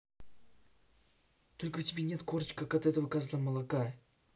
только в тебе нет короче как от козла молока